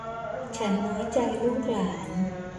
ฉันน้อยใจลูกหลาน